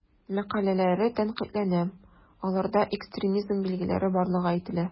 Мәкаләләре тәнкыйтьләнә, аларда экстремизм билгеләре барлыгы әйтелә.